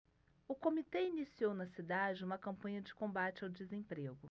o comitê iniciou na cidade uma campanha de combate ao desemprego